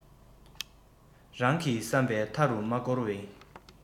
རང གི སེམས པའི མཐའ རུ མི སྐོར བའི